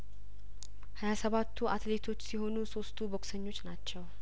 ሀያ ሰባቱ አትሌቶች ሲሆኑ ሶስቱ ቦክሰኞች ናቸው